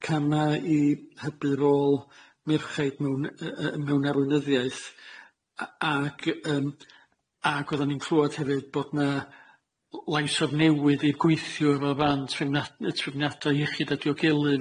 y cama' i hybu rôl merchaid mewn yy yy mewn arweinyddiaeth a- ag yym ag oddan ni'n clwad hefyd bod na' lais of newydd i'r gweithiwr fel fan trefna- yy trefniada iechyd a diogelu